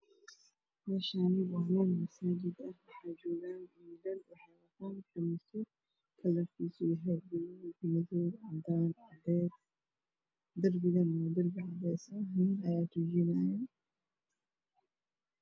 Meeshaan waa meel masaajid ah waxaa joogo wiilal waxay wataan qamiisyo kalarkiisu uu yahay buluug, madow, cadaan iyo cadeys. Darbiguna waa cadeys ah. Nin ayaa tukanaayo.